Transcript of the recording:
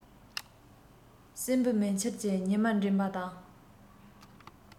སྲིན བུ མེ ཁྱེར གྱིས ཉི མར འགྲན པ དང